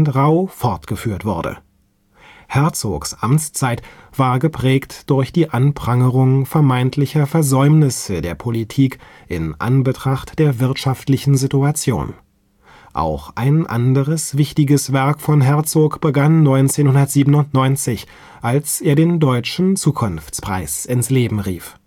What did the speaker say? Rau fortgeführt wurde. Herzogs Amtszeit war geprägt durch die Anprangerung vermeintlicher Versäumnisse der Politik in Anbetracht der wirtschaftlichen Situation. Auch ein anderes wichtiges Werk von Herzog begann 1997, als er den Deutschen Zukunftspreis ins Leben rief